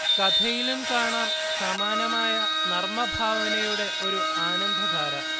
കഥയിലും കാണാം സമാനമായ നർമഭാവനയുടെ ഒരു ആനന്ദധാര